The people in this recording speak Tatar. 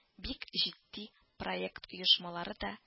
Бик җитди проект оешмалары да